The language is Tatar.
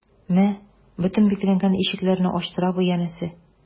Мә, бөтен бикләнгән ишекләрне ачтыра бу, янәсе...